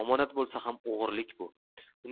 omonat bo'lsa ham o'g'irlik bu